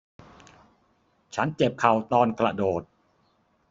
ฉันเจ็บเข่าตอนกระโดด